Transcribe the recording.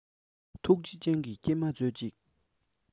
ཐུགས རྗེའི སྤྱན གྱིས སྐྱེལ མ མཛོད ཅིག